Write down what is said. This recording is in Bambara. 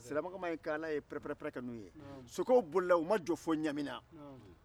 siramakanma ye pɛrɛ-pɛrɛ-pɛrɛ k'ɛ n'u ye sokɛw bolila u ma jɔ fo ɲamina